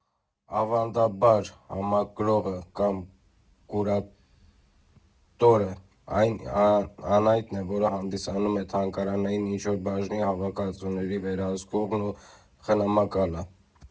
Ավանդաբար, համադրողը կամ «կուրատորը» այն անհատն էր, որը հանդիսանում էր թանգարանային ինչ֊որ բաժնի հավաքածուների վերահսկողն ու խնամակալը։